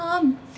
thơm